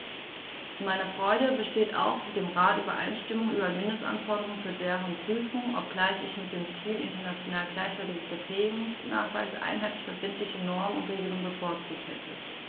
Zu meiner Freude besteht auch mit dem Rat Übereinstimmung über Mindestanforderungen für deren Prüfung, obgleich ich mit dem Ziel international gleichwertiger Befähigungsnachweise einheitliche verbindliche Normen und Regelungen bevorzugt hätte.